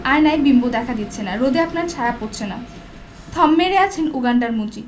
আয়নায় বিম্ব দেখা দিচ্ছে না রোদে আপনার ছায়া পড়ছে না থম মেরে আছেন উগান্ডার মন্ত্রী